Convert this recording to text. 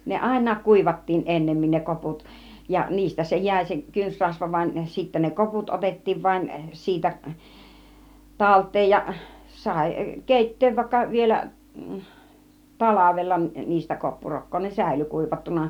ne aina kuivattiin ennemmin ne koput ja niistä se jäi se kynsirasva vaan sitten ne koput otettiin vain siitä talteen ja sai keittää vaikka vielä talvella niistä koppurokkaa ne säilyi kuivattuna